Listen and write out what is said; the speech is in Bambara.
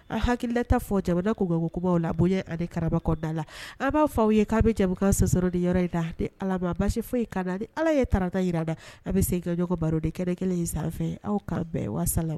A hakililata fɔ cɛbabada ko ga kobaw la bonya ani karakɔda la a b'a fɔ aw ye k'a bɛ cɛbakan sɔsɔrɔ de yɔrɔ ye da di alaba basi foyi ka di ala ye taarata jirara da a bɛ segin kajɔ baro de kɛ kelen in sanfɛ aw k'a bɛn walasa